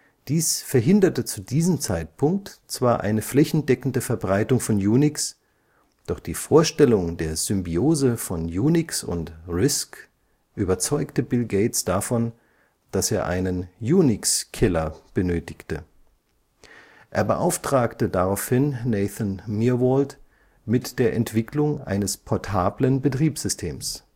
Dies verhinderte zu diesem Zeitpunkt zwar eine flächendeckende Verbreitung von Unix, doch die Vorstellung der Symbiose von Unix und RISC überzeugte Bill Gates davon, dass er einen „ Unix-Killer “benötigte. Er beauftragte daraufhin Nathan Myhrvold mit der Entwicklung eines portablen Betriebssystems